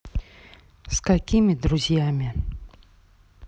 с какими друзьями